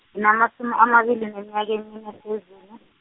nginamasumi amabili neminyaka emine phezulu.